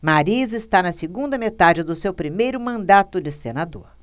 mariz está na segunda metade do seu primeiro mandato de senador